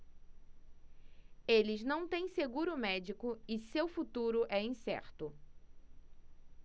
eles não têm seguro médico e seu futuro é incerto